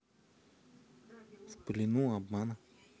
в плену обмана